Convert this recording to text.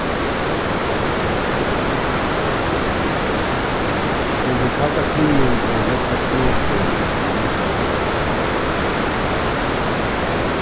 undir kalda krígnum vóru nógvar flogstøðir í útlondunum